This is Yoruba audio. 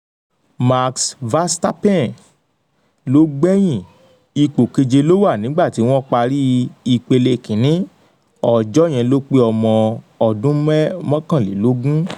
Max Verstappen ló gbẹ̀yìn. Ipò kèje ló wà nígbà tí wọ́n parí ipele kìíní. Ọjọ́ yẹn ló pé ọmọ 21 ọdún.